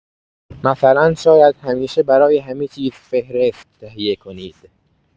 مثلا شاید همیشه برای همه‌چیز فهرست تهیه کنید.